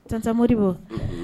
Tonton Modibo Unhun